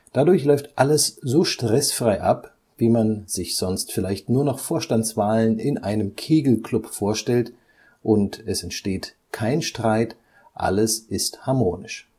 Dadurch läuft „ alles so stressfrei ab, wie man sich sonst vielleicht nur noch Vorstandswahlen in einem Kegelclub vorstellt “und es entsteht „ [k] ein Streit, alles [ist] harmonisch